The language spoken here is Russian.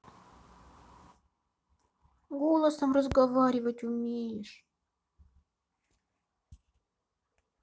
голосом разговаривать умеешь